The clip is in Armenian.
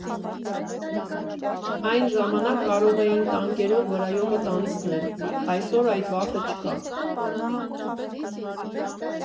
Այն ժամանակ կարող էին տանկերով վրայովդ անցնել, այսօր այդ վախը չկա։